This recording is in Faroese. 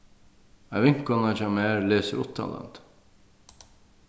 ein vinkona hjá mær lesur uttanlanda